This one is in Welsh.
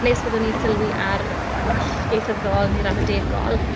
Neu os byddwn ni'n sylwi ar wall ieithyddol neu ramadegol.